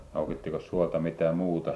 noukittiinkos suolta mitään muuta